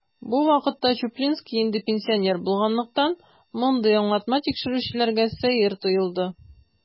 Бу вакытка Чуплинский инде пенсионер булганлыктан, мондый аңлатма тикшерүчеләргә сәер тоелды.